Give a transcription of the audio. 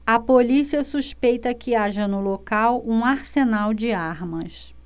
a polícia suspeita que haja no local um arsenal de armas